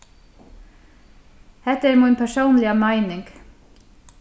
hetta er mín persónliga meining